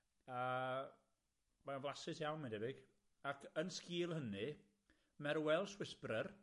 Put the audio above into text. a mae o'n flasus iawn mae'n debyg, ac yn sgil hynny, mae'r Welsh Whisperer,